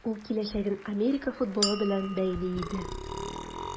Ул киләчәген Америка футболы белән бәйли иде.